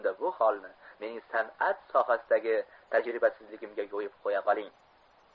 unda bu holni mening san'at sohasidagi tajribasizligimga yo'yib qo'ya qoling